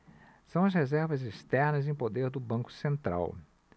são as reservas externas em poder do banco central